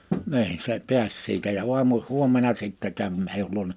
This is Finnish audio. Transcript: niin se pääsi siitä ja aamu huomenna sitten kävi meidän luona